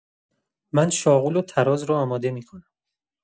من شاقول و تراز رو آماده می‌کنم.